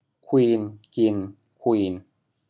ควีนกินควีน